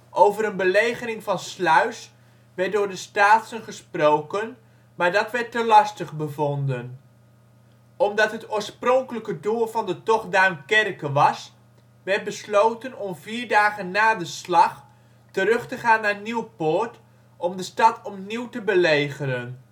een belegering van Sluis werd door de Staatsen gesproken, maar dat werd te lastig bevonden. Omdat het oorspronkelijke doel van de tocht Duinkerke was, werd besloten om vier dagen na de slag terug te gaan naar Nieuwpoort om de stad opnieuw te belegeren